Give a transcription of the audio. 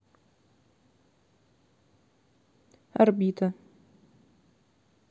орбита